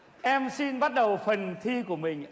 em xin bắt đầu phần thi của mình